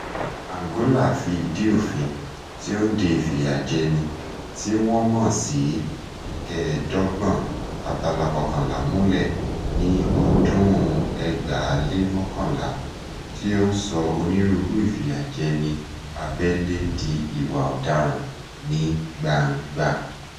Angola fi ìdí òfin tí ó ń de ìfìyàjẹni tí wọ́n mọ̀ sí 25/11 múlẹ̀ ní ọdún 2011 tí ó ń sọ onírúurú ìfìyàjẹni abẹ́lé di ìwà ọ̀daràn ní gbangba.